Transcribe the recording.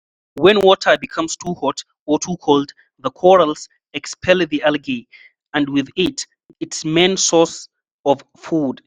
When water becomes too hot (or too cold) the corals expel the algae — and with it, its main source of food.